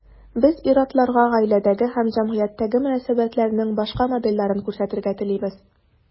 Без ир-атларга гаиләдәге һәм җәмгыятьтәге мөнәсәбәтләрнең башка модельләрен күрсәтергә телибез.